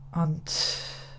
Ond.